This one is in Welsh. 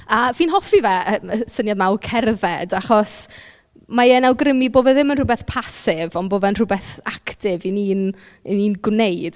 A fi'n hoffi fe yym y syniad 'ma o cerdded achos mae e'n awgrymu bo' fe ddim yn rhywbeth passive, ond bo fe'n rhywbeth active y' ni'n... y' ni'n gwneud.